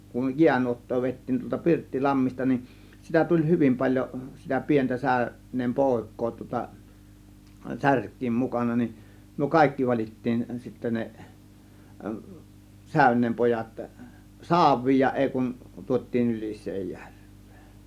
kun jäänuottaa vedettiin tuolta Pirttilammista niin sitä tuli hyvin paljon sitä pientä - säyneen poikaa tuota särkien mukana niin me kaikki valittiin sitten ne säyneen pojat saaviin ja ei kuin tuotiin Ylisenjärveen